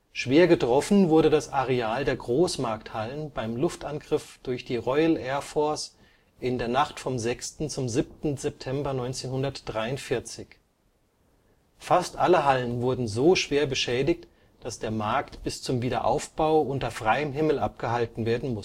Schwer getroffen wurde das Areal der Großmarkthallen beim Luftangriff durch die Royal Air Force in der Nacht vom 6. zum 7. September 1943, fast alle Hallen wurden so schwer beschädigt, dass der Markt bis zum Wiederaufbau unter freiem Himmel abgehalten werden